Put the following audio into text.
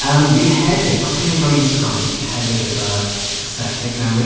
Yym, fi hefyd, os chi'n mynd draw i Instagram fi, fi hefyd gyda aesthetic newydd.